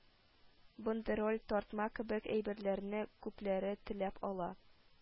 Бандероль, тартма кебек әйберләрне күпләре теләп ала